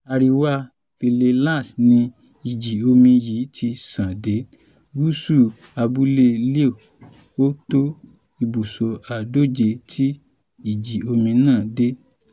Àríwá Pinellas ni ìjì omi yìí ti sàn dé gúsù abúlé Lee. Ó tó ibùsọ̀ 130 tí ìjì omi naà deé.